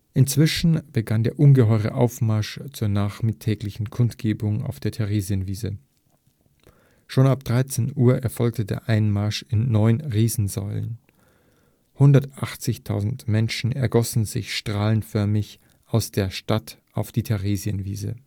Inzwischen begann der ungeheure Aufmarsch zur nachmittäglichen Kundgebung auf der Theresienwiese. Schon ab 13 Uhr erfolgte der Einmarsch in neun Riesensäulen. 180.000 Menschen ergossen sich strahlenförmig aus der Stadt auf die Theresienwiese